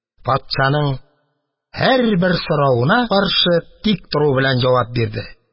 Патшаның һәрбер соравына каршы тик тору белән җавап бирде.